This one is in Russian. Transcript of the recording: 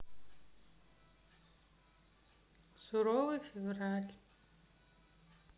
суровый февраль